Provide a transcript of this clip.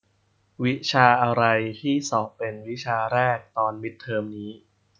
วิชาอะไรที่สอบเป็นวิชาแรกตอนมิดเทอมนี้